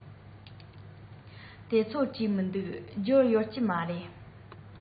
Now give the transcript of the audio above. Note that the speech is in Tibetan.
དེ ཚོ བྲིས མི འདུག འབྱོར ཡོད ཀྱི མ རེད